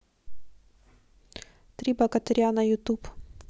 три богатыря на ютуб